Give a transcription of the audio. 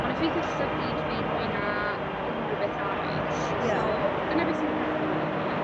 ma' o'n effeithio llygid fi mwy na unryw beth arall... Ie ...so dyna beth sy'n cychwyn o i fi.